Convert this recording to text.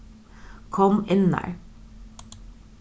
kom innar